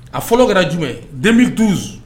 A fɔlɔ kɛra jumɛn ye 2012